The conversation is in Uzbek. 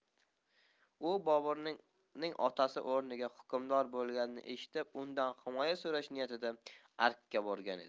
u boburning otasi o'rniga hukmdor bo'lganini eshitib undan himoya so'rash niyatida arkka borgan edi